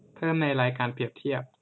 เพิ่มในรายการเปรียบเทียบ